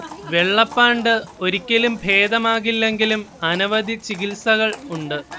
വെള്ളപ്പാണ്ട് ഒരിക്കലും ഭേദമാകില്ലെങ്കിലും അനവധി ചികിത്സകൾ ഉണ്ട്